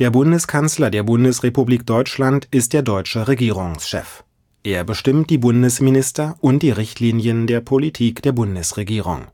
Bundeskanzler der Bundesrepublik Deutschland ist der deutsche Regierungschef. Er bestimmt die Bundesminister und die Richtlinien der Politik der Bundesregierung